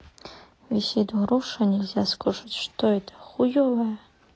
висит груша нельзя скушать что это хуевая